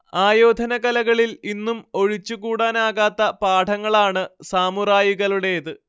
ആയോധന കലകളിൽ ഇന്നും ഒഴിച്ചുകൂടാനാകാത്ത പാഠങ്ങളാണ് സാമുറായികളുടേത്